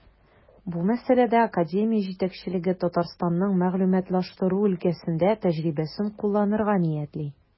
Бу мәсьәләдә академия җитәкчелеге Татарстанның мәгълүматлаштыру өлкәсендә тәҗрибәсен кулланырга ниятли.